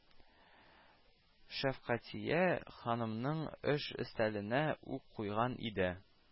Шәфкатия ханымның эш өстәленә үк куйган иде